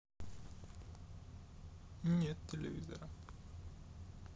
нет телевизора